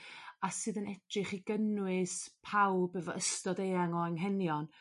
a sydd yn edrych i gynnwys pawb efo ystod eang o anghenion.